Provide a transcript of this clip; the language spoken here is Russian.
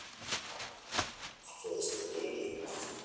в поисках дорри